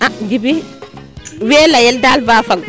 a Djiby we leyel dal ba fag